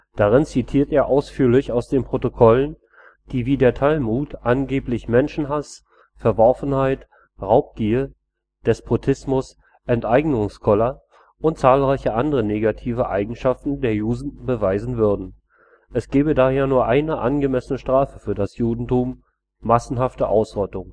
Darin zitierte er ausführlich aus den Protokollen, die wie der Talmud angeblich Menschenhass, Verworfenheit, Raubgier, Despotismus, Enteignungskoller und zahlreiche andere negative Eigenschaften der Juden beweisen würden. Es gebe daher „ nur eine angemessene Strafe für das Judentum: massenhafte Ausrottung